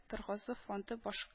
Торгызу фонды баш